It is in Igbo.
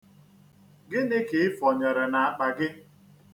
Gịnị ka ị fọnyere n'akpa gị?